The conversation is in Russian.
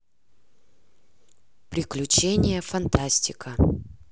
приключения фантастика